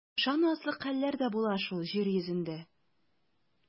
Ышанмаслык хәлләр дә була шул җир йөзендә.